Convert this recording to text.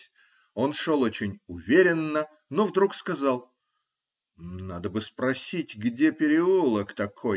Он шел очень уверенно, но вдруг сказал: -- Надо бы спросить, где переулок такой-то.